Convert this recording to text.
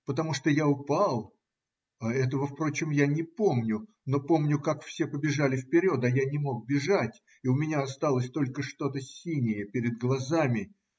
Потому что я упал (этого, впрочем, я не помню, но помню, как все побежали вперед, а я не мог бежать, и у меня осталось только что-то синее перед глазами)